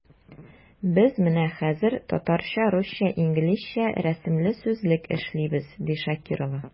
Без менә хәзер “Татарча-русча-инглизчә рәсемле сүзлек” эшлибез, ди Шакирова.